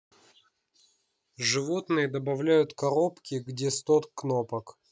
животные добавляют коробки где сто кнопок